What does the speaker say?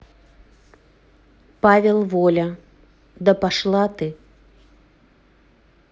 павел воля да пошла ты